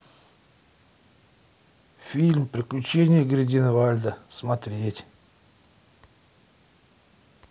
фильм преступления гриндевальда смотреть